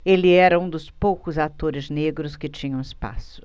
ele era um dos poucos atores negros que tinham espaço